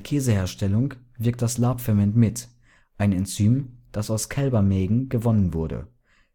Käseherstellung wirkt das Labferment mit, ein Enzym, das aus Kälbermägen gewonnen wurde.